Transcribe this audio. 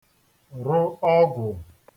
rụ ọgwụ̀